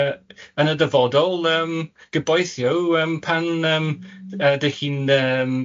yy yn y dyfodol yym gobeithio yym pan yym yy dych chi'n yym